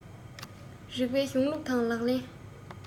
རིགས པའི གཞུང ལུགས དང ལག ལེན